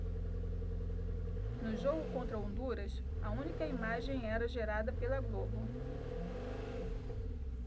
no jogo contra honduras a única imagem era gerada pela globo